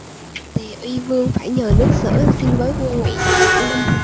tề uy vương phải nhờ nước sở xin với vua ngụy cho hoãn binh